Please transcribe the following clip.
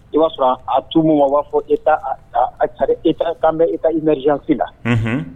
I b'a sɔrɔ a tunumu ma b'a fɔ e e kan e ta i mifi la